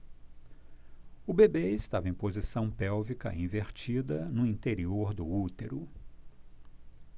o bebê estava em posição pélvica invertida no interior do útero